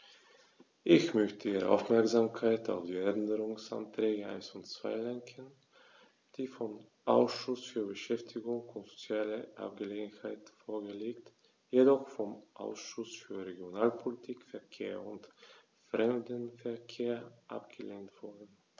Ich möchte Ihre Aufmerksamkeit auf die Änderungsanträge 1 und 2 lenken, die vom Ausschuss für Beschäftigung und soziale Angelegenheiten vorgelegt, jedoch vom Ausschuss für Regionalpolitik, Verkehr und Fremdenverkehr abgelehnt wurden.